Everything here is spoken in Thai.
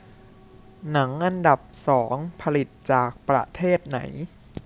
หนังอันดับสองผลิตจากประเทศไหน